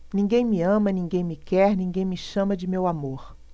ninguém me ama ninguém me quer ninguém me chama de meu amor